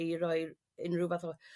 i roi'r unryw fath o